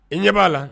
I ɲɛ b'a la